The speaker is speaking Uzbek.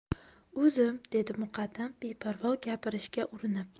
o'zim dedi muqaddam beparvo gapirishga urinib